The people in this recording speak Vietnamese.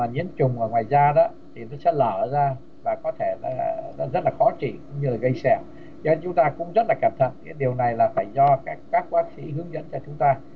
nhiễm trùng ở ngoài ra thì nó sẽ lở ra và có thể là nó rất là khó trị như là gây sẹo do chúng ta cũng rất là cẩn thận biết điều này là phải do các các bác sĩ hướng dẫn cho chúng ta